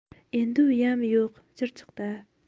endi uyam yo'q chirchiqda